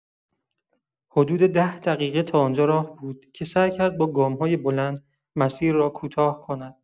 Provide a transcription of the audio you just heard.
حدود ده دقیقه تا آن‌جا راه بود که سعی کرد با گام‌های بلند، مسیر را کوتاه کند.